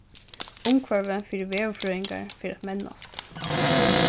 umhvørvið fyri veðurfrøðingar fer at mennast